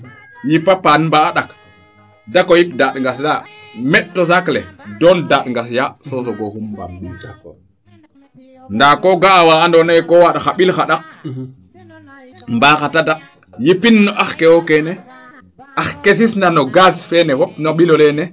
yipa paan mba a ɗak dako yip daaɗ Ngasya meto sac le doon daaɗ Ngasya so sogo xumndaa ko ga'a waa ando naye ko waand xa mbi xa ndak mbaa xa tadak yipin na ax kewo keene ax ke sis na no gaz feene fop no mbilo leene